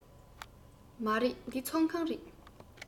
མ རེད འདི ཚོང ཁང རེད